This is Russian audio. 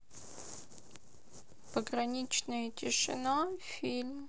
пограничная тишина фильм